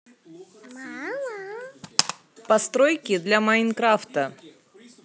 постройки для майнкрафта